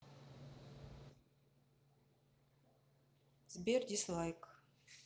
сбер дизлайк